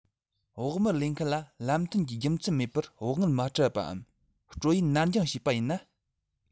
བོགས མར ལེན མཁན ལ ལུགས མཐུན གྱི རྒྱུ མཚན མེད པར བོགས དངུལ མ སྤྲད པའམ སྤྲོད ཡུན ནར འགྱངས བྱས པ ཡིན ན